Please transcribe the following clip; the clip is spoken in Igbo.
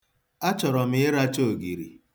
Achọrọ m ịracha ogiri.